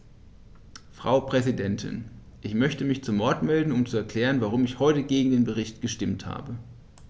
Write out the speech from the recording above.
Frau Präsidentin, ich möchte mich zu Wort melden, um zu erklären, warum ich heute gegen den Bericht gestimmt habe.